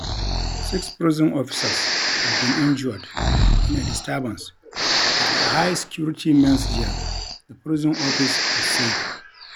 Six prison officers have been injured in a disturbance at a high security men's jail, the Prison Office has said.